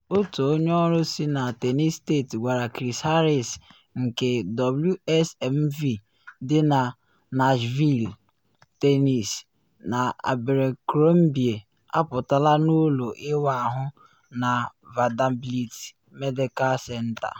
Otu onye ọrụ si na Tennessee State gwara Chris Harris nke WSMV dị na Nashville, Tennessee, na Abercrombie apụtala n’ụlọ ịwa ahụ na Vanderbilt Medical Center.